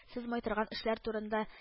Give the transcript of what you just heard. Сез майтарган эшләр турында